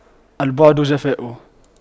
البعد جفاء